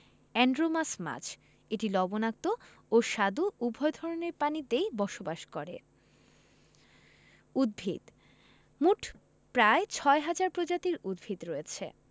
anadromous মাছ এটি লবণাক্ত ও স্বাদু উভয় ধরনের পানিতেই বসবাস করে উদ্ভিদঃ মোট প্রায় ৬ হাজার প্রজাতির উদ্ভিদ রয়েছে